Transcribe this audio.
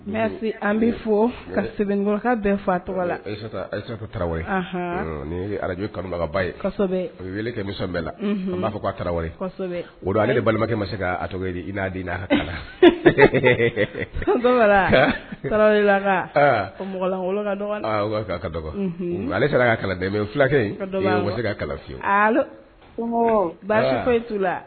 Mɛ an bɛ fɔ ka bɛɛ fa tɔgɔ la tarawele ni araj kanuba ye weele kɛmi bɛɛ la b'a fɔ k' tarawele o ale de balimakɛ ma se kato i' dɔgɔ ale sera ka kalan dɛmɛ filakɛ in se ka kala fiye basi